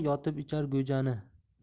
yotib ichar go'jani